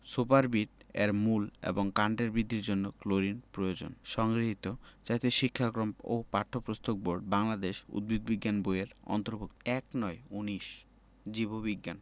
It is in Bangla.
সুপারবিট এর মূল এবং কাণ্ডের বৃদ্ধির জন্য ক্লোরিন প্রয়োজন সংগৃহীত জাতীয় শিক্ষাক্রম ও পাঠ্যপুস্তক বোর্ড বাংলাদেশ উদ্ভিদ বিজ্ঞান বই এর অন্তর্ভুক্ত ১৯ জীববিজ্ঞান